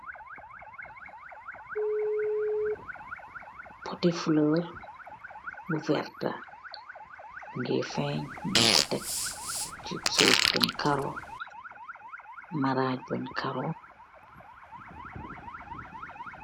Poti florr bu verta, mungi fein nyunko tek si suf bun karo, maraj bun karo.